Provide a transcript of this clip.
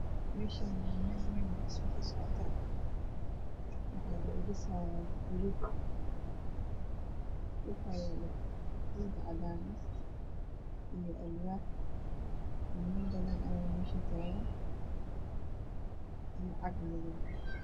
Meeshaan waa meel wayn oo dhismo ka socoto waxaa la dhisayaa guri waxaa yaalo geed cadaan ah iyo alwaax ninman badan ayaa meesha taagan iyo cag madow ah